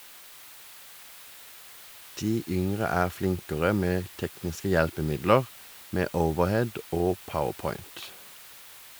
De yngre er flinkere med tekniske hjelpemidler, med overhead og powerpoint.